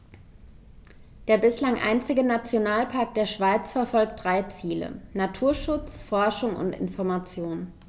Der bislang einzige Nationalpark der Schweiz verfolgt drei Ziele: Naturschutz, Forschung und Information.